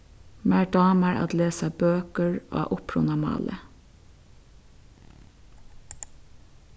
mær dámar at lesa bøkur á upprunamáli